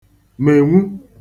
menwu